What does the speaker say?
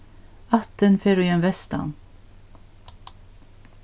ættin fer í ein vestan